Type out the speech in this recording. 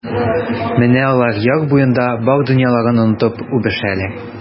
Менә алар яр буенда бар дөньяларын онытып үбешәләр.